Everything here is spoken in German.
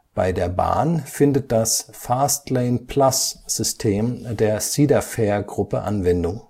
Bei der Bahn findet das Fast-Lane-Plus-System der Cedar-Fair-Gruppe Anwendung